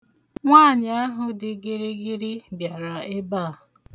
Nwaanyị ahụ dị gịrịgịrị bịara ebe a.